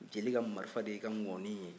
jeli ka marifa de y'i ka ngɔni ye